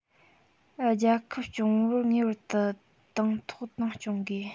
རྒྱལ ཁབ སྐྱོང བར ངེས པར དུ དང ཐོག ཏང སྐྱོང དགོས